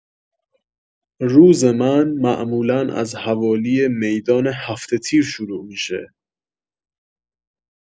روز من معمولا از حوالی میدان هفت‌تیر شروع می‌شه.